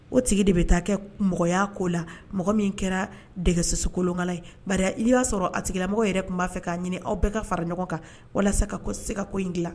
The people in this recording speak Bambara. O tigi de bɛ taa kɛ mɔgɔya ko la mɔgɔ min kɛra dɛsosukolokala ye ba ii y'a sɔrɔ a tigilamɔgɔ yɛrɛ tun b'a fɛ k'a ɲini aw bɛɛ ka fara ɲɔgɔn kan walasa ka ko se kako in dila